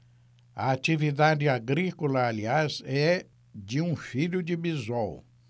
a atividade agrícola aliás é de um filho de bisol